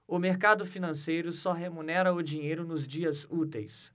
o mercado financeiro só remunera o dinheiro nos dias úteis